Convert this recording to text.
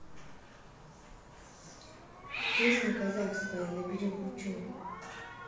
песня казахская на берегу чу